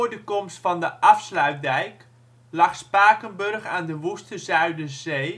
de komst van de afsluitdijk lag Spakenburg aan de woeste Zuiderzee